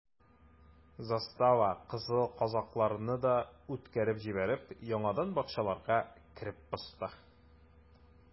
Застава, кызыл казакларны үткәреп җибәреп, яңадан бакчаларга кереп посты.